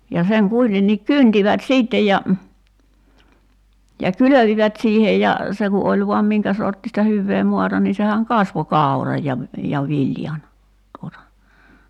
ja sen kuitenkin kyntivät sitten ja ja kylvivät siihen ja se kun oli vain minkä sorttista hyvää maata niin sehän kasvoi kauran ja ja viljan tuota